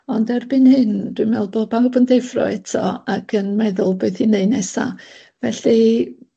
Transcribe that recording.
ond erbyn hyn dwi'n me'wl bo' pawb yn deffro eto ac yn meddwl beth i neud nesa felly